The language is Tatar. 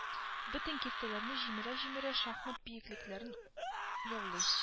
Бөтен киртәләрне җимерә-җимерә шахмат биеклекләрен яулый